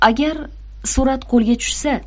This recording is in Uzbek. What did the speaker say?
agar surat qo'lga tushsa